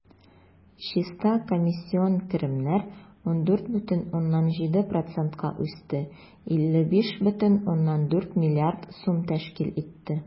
Чиста комиссион керемнәр 14,7 %-ка үсте, 55,4 млрд сум тәшкил итте.